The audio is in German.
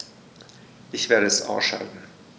Ich werde es ausschalten